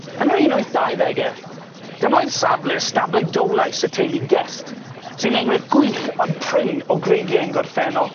Yn yr un wyth dau ddege, dyma oedd safle stablau Dowlais y teulu Guest, sy'n enghraifft gwych ond prin o greigie ein gorffennol.